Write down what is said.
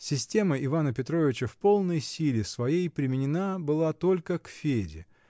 Система Ивана Петровича в полной силе своей применена была только к Феде